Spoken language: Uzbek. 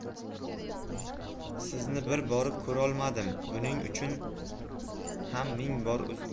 sizni bir borib ko'rolmadim buning uchun ham ming bor uzr